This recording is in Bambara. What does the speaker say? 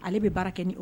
Ale bɛ baara kɛ ni